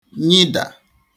nyidà